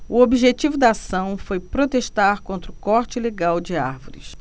o objetivo da ação foi protestar contra o corte ilegal de árvores